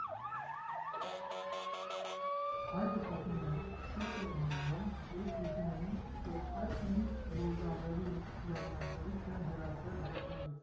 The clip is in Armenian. Հայկը պատմում է՝ շատ էին հուզվում, երբ հիշում էին, որ այդ նույն Վոլգաների ժամանակներից են հեռացել Հայաստանից…